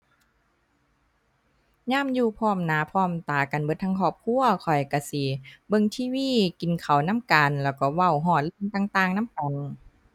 ยามอยู่พร้อมหน้าพร้อมตากันเบิดทั้งครอบครัว ข้อยก็สิเบิ่ง TV กินข้าวนำกัน แล้วก็เว้าฮอดเรื่องต่างต่างนำกัน